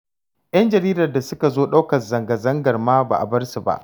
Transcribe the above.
Yan jaridar da suka zo ɗaukar zangazangar ma ba a bar su ba.